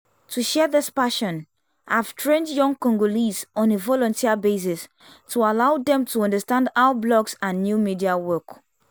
To share this passion, I've trained young Congolese on a volunteer basis to allow them to understand how blogs and new media work.